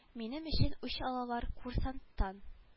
Минем өчен үч алалар курсанттан